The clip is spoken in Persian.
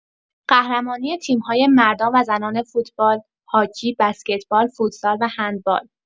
قهرمانی تیم‌های مردان و زنان فوتبال، هاکی، بسکتبال، فوتسال و هندبال!